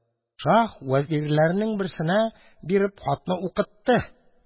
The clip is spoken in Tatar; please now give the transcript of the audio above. Шаһ, вәзирләреннән берсенә биреп, хатны укытты.